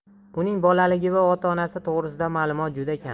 uning bolaligi va ota onasi to'grisida ma'lumot juda kam